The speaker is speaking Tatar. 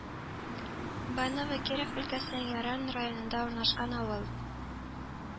Банново Киров өлкәсенең Яраң районында урнашкан авыл